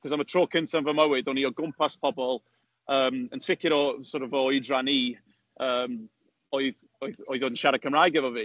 Achos am y tro cyntaf yn fy mywyd o'n i o gwmpas pobl, yym yn sicr o, sort of o oedran i, yym oedd oedd oedd yn siarad Cymraeg efo fi.